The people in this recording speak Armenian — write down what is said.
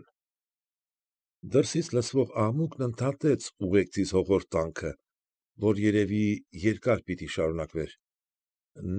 Են։ Դրսից լսվող աղմուկն ընդհատեց ուղեկցիս հոխորտանքը, որ երևի, երկար պիտի շարունակվեր։